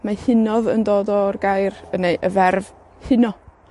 Mae hunodd yn dod o'r gair, y, neu y ferf huno.